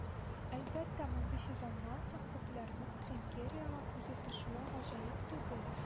Әлбәттә, мондый сезоннан соң күпләрнең Тринкьерига күзе төшүе гаҗәеп түгел